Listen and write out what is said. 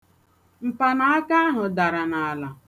Mpanaaka ahụ dara n'ala.